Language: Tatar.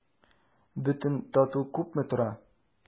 Бөтен тату күпме тора?